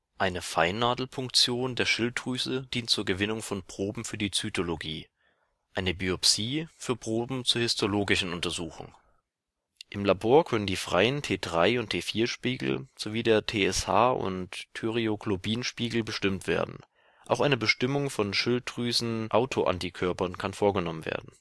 Eine Feinnadelpunktion der Schilddrüse dient zur Gewinnung von Proben für die Zytologie, eine Biopsie für Proben zur histologischen Untersuchung. Im Labor können der freie T3 - und T4-Spiegel sowie der TSH - und Thyreoglobulin-Spiegel bestimmt werden. Auch eine Bestimmung von Schilddrüsenautoantikörpern kann vorgenommen werden